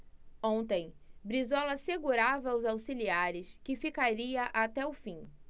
ontem brizola assegurava aos auxiliares que ficaria até o fim